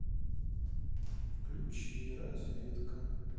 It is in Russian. включи розетка